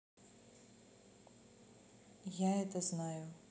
я это знаю